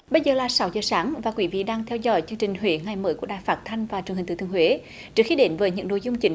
bây giờ là sáu giờ sáng và quý vị đang theo dõi chương trình huế ngày mới của đài phát thanh và truyền hình thừa thiên huế trước khi đến với những nội dung chính